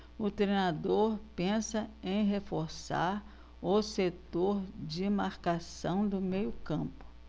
o treinador pensa em reforçar o setor de marcação do meio campo